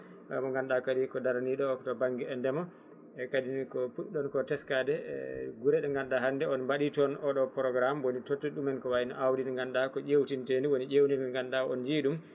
omo ganduɗa kadi ko daraniɗo to banggue e ndeema kadi ko puɗɗorko teskade e guure ɗe ganduɗa hande on mbaɗi toon oɗo programme woni tottude ɗumen ko wayno awdindi ganduɗa ko ƴewtintedi woni ƴewdi ndi ganduƴa on jiiɗum